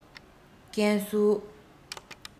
ཀན སུའུ